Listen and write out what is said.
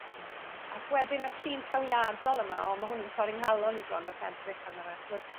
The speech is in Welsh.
Yym ac wedyn y llun trawiadol yma. O ma' hwn yn torri'n nghalon i bron wrth edrych arno fe ch'mod